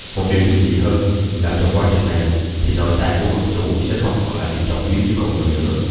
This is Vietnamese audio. một điều kinh dị hơn là trong quá trình này thì nội tạng của vật chủ sẽ không còn là điểm trọng yếu như con người nữa